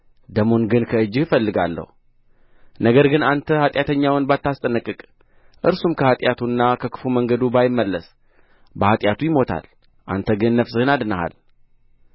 ደሙን ግን ከእጅህ እፈልጋለሁ ነገር ግን አንተ ኃጢአተኛውን ብታስጠነቅቅ እርሱም ከኃጢአቱና ከክፉ መንገዱ ባይመለስ በኃጢአቱ ይሞታል አንተ ግን ነፍስህን አድነሃል